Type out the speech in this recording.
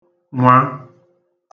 -nwa